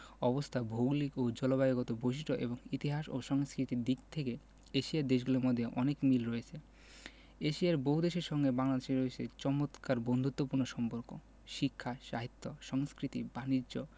অবস্থা ভৌগলিক ও জলবায়ুগত বৈশিষ্ট্য এবং ইতিহাস ও সংস্কৃতির দিক থেকে এশিয়ার দেশগুলোর মধ্যে অনেক মিল রয়েছেএশিয়ার বহুদেশের সঙ্গেই বাংলাদেশের রয়েছে চমৎকার বন্ধুত্বপূর্ণ সম্পর্ক শিক্ষা সাহিত্য সংস্কৃতি বানিজ্য